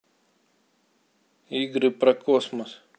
игры про космос